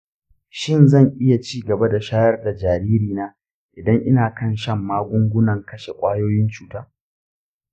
shin zan iya cigaba da shayar da jariri na idan ina kan shan magungunan kashe kwayoyin cuta